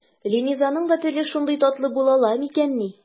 Ленизаның теле дә шундый татлы була ала микәнни?